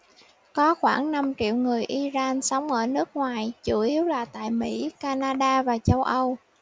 có khoảng năm triệu người iran sống ở nước ngoài chủ yếu là tại mỹ canada và châu âu